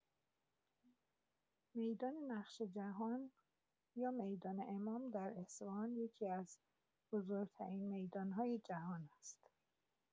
میدان نقش‌جهان یا میدان امام در اصفهان یکی‌از بزرگ‌ترین میدان‌های جهان است.